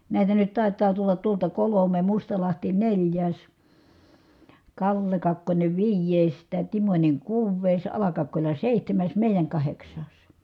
näitä nyt taitaa tulla tuolta kolme Mustalahti neljäs Kalle Kakkonen viides taa Timonen kuudes Ala-Kakkola seitsemäs meidän kahdeksas